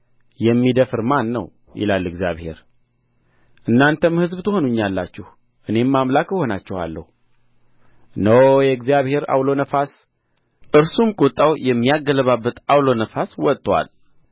የሚደፍር ማን ነው ይላል እግዚአብሔር እናንተም ሕዝብ ትሆኑኛላችሁ እኔም አምላክ እሆናችኋለሁ እነሆ የእግዚአብሔር ዐውሎ ነፋስ እርሱም ቍጣው የሚያገለባብጥ ዐውሎ ነፋስ ወጥቶአል